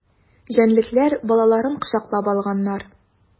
Җәнлекләр балаларын кочаклап алганнар.